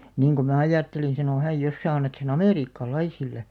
niin kun minä ajattelin sanoi hän jos sinä annat sen amerikkalaisille